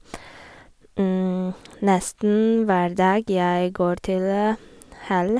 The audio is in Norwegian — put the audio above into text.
Nesten hver dag jeg går til hall.